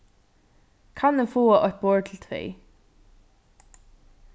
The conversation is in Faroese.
kann eg fáa eitt borð til tvey